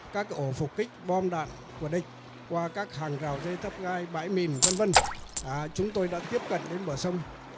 các cái ổ phục kích bom đạn của địch qua các hàng rào dây thép gai bãi mìn vân vân á chúng tôi đã tiếp cận đến bờ sông